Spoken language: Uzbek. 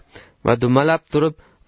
va dumalab turib